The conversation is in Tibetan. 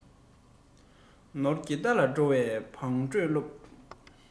ནོར གྱི རྟ ལ འགྲོ བའི བང འགྲོས སློབས